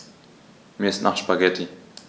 Mir ist nach Spaghetti.